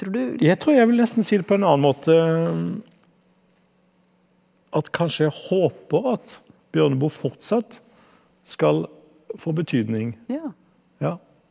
jeg tror jeg vil nesten si det på en annen måte , at kanskje jeg håper at Bjørneboe fortsatt skal få betydning ja.